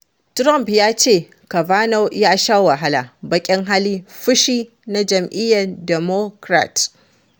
Trump ya ce Kavanaugh ‘ya sha wahala, baƙin hali, fushi’ na Jam’iyyar Democrat